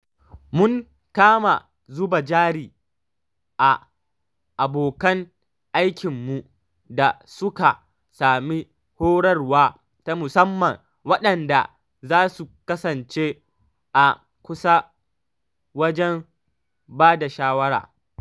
Mun kuma zuba jari a abokan aikinmu da suka sami horarwa ta musamman waɗanda za su kasance a kusa wajen ba da shawara.